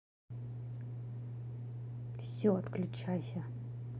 все отключайся